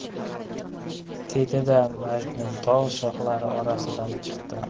dedi da majnuntol shoxlari orasidan chiqdi